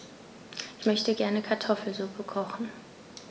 Ich möchte gerne Kartoffelsuppe kochen.